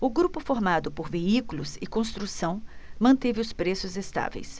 o grupo formado por veículos e construção manteve os preços estáveis